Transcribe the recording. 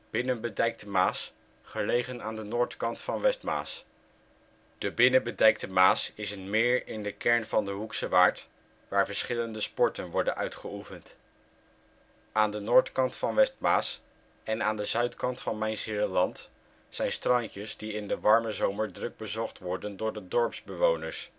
Binnenbedijkte Maas, gelegen aan de Noordkant van Westmaas. De Binnenbedijkte Maas is een meer in de kern van de Hoekse Waard waar verschillende sporten worden uitgeoefend. Aan de Noord-kant van Westmaas en aan de Zuid-kant van Mijnsheerenland zijn strandjes die in de warme zomer druk bezocht worden door de dorpsbewoners